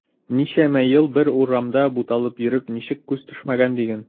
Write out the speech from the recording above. Ничәмә ел бер урамда буталып йөреп ничек күз төшмәгән диген.